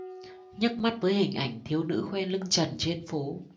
nhức mắt với hình ảnh thiếu nữ khoe lưng trần trên phố